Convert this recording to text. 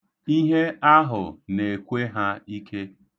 Ihe ahụ na-ekwe ha ike.